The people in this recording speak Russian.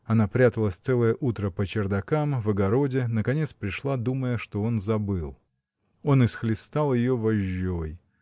Она пряталась целое утро по чердакам, в огороде, наконец пришла, думая, что он забыл. Он исхлестал ее вожжой.